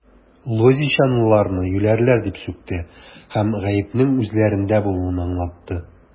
Лозищанлыларны юләрләр дип сүкте һәм гаепнең үзләрендә булуын аңлатты.